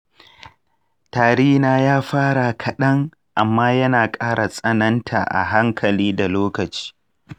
tari na ya fara kaɗan amma yana ƙara tsananta a hankali da lokaci.